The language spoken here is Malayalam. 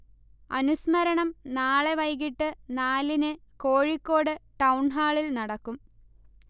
അനുസ്മരണം നാളെ വൈകിട്ട് നാലിന് കോഴിക്കോട് ടൗൺഹാളിൽ നടക്കും